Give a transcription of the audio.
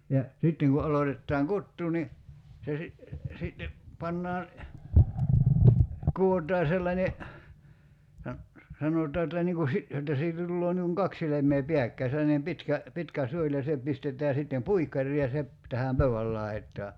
ja sitten kun aloitetaan kutoa niin se - sitten pannaan kudotaan sellainen sanotaan että niin kuin - jotta siitä tulee niin kuin kaksi silmää pääkkäin sellainen pitkä pitkä suoli ja se pistetään sitten puikkariin ja se - tähän pöydän laitaan